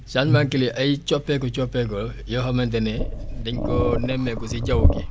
changement cli ay coppeeku coppeeku la yoo xamante ne dañ koo nemmeeku si jaww gi